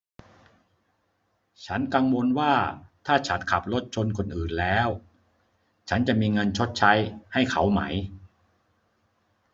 ฉันกังวลว่าถ้าฉันขับรถชนคนอื่นแล้วฉันจะมีเงินชดใช้ให้เขาไหม